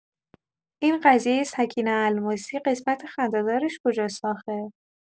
این قضیۀ سکینه الماسی قسمت خنده‌دارش کجاست آخه؟